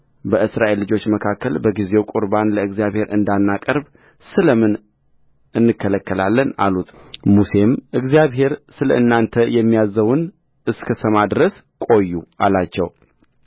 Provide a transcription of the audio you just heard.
በእስራኤል ልጆች መካከል በጊዜው ቍርባን ለእግዚአብሔር እንዳናቀርብ ስለ ምን እንከለከላለን አሉትሙሴም እግዚአብሔር ስለ እናንተ የሚያዝዘውን እስክሰማ ድረስ ቈዩ አላቸው